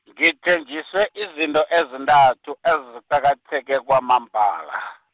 ngithenjiswe izinto ezintathu, eziqakatheke kwamambala.